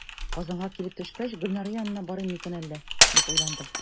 Казанга килеп төшкәч, "Гөлнара янына барыйм микән әллә?", дип уйландым.